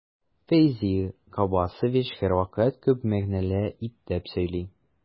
Фәйзи Габбасович һәрвакыт күп мәгънәле итеп сөйли.